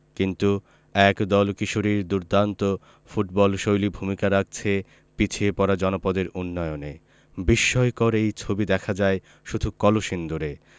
কিন্তু একদল কিশোরীর দুর্দান্ত ফুটবলশৈলী ভূমিকা রাখছে পিছিয়ে পড়া জনপদের উন্নয়নে বিস্ময়কর এই ছবি দেখা যায় শুধু কলসিন্দুরে